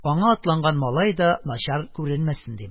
Аңа атланган малай да начар күренмәсен, дим.